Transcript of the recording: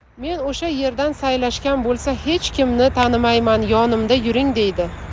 meni o'sha yerdan saylashgan bo'lsa ham hech kimni tanimayman yonimda yuring deydi